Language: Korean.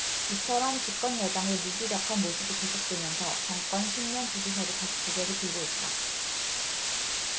이처럼 집권 여당의 무기력한 모습이 계속되면서 정권 십 년 주기설이 다시 고개를 들고 있다